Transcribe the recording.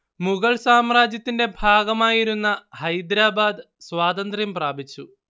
മുഗള്‍ സാമ്രാജ്യത്തിന്റെ ഭാഗമായിരുന്ന ഹൈദരാബാദ് സ്വാതന്ത്ര്യം പ്രാപിച്ചു